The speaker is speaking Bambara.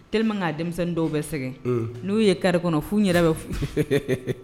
Te k' denmisɛnnin dɔw bɛ sɛgɛn n'u ye kariri kɔnɔ f' yɛrɛ bɛ